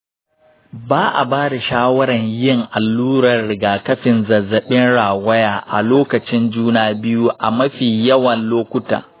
ba a ba da shawarar yin allurar rigakafin zazzabin rawaya a lokacin juna biyu a mafi yawan lokuta.